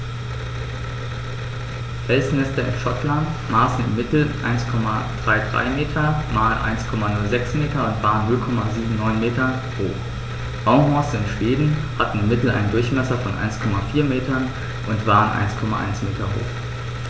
Felsnester in Schottland maßen im Mittel 1,33 m x 1,06 m und waren 0,79 m hoch, Baumhorste in Schweden hatten im Mittel einen Durchmesser von 1,4 m und waren 1,1 m hoch.